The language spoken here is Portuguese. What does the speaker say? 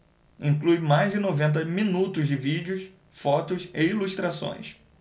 inclui mais de noventa minutos de vídeo fotos e ilustrações